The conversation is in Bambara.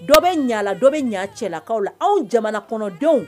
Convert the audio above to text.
Dɔ bɛ ɲala dɔ bɛ ɲa cɛlakaw la anw jamana kɔnɔdenw